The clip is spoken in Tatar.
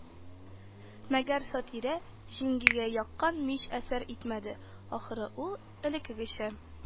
Мәгәр Сатирә җиңгигә яккан мич әсәр итмәде, ахры, ул элекегечә: